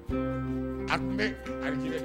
A tun bɛ a bɛ tigɛ